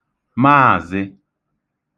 maàzị̄